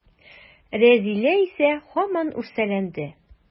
Рәзилә исә һаман үрсәләнде.